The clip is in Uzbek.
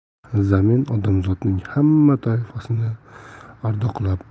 zamin odamzodning hamma toifasini ardoqlab